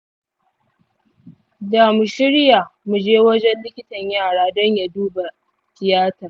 damu shirya muje wajen likitan yara don ya duba tiyatar.